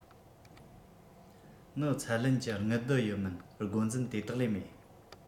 ནི ཚད ལེན གྱི དངུལ བསྡུ ཡི མིན སྒོ འཛིན དེ དག ལས མེད